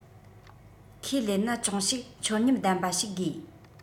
ཁས ལེན ན ཅུང ཞིག མཆོར ཉམས ལྡན པ ཞིག དགོས